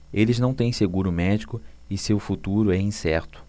eles não têm seguro médico e seu futuro é incerto